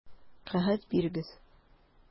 Кәгазь бирегез!